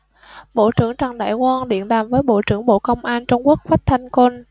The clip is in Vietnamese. bộ trưởng trần đại quang điện đàm với bộ trưởng bộ công an trung quốc quách thanh côn